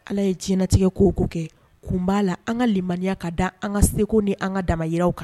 Ala ye jinɛtigɛ ko ko kɛ kun b'a la an kalimaniya ka da an ka segu ni an ka da yiw kan